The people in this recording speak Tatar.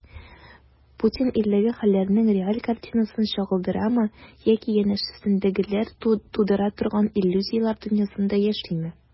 Путин илдәге хәлләрнең реаль картинасын чагылдырамы яки янәшәсендәгеләр тудыра торган иллюзияләр дөньясында яшиме?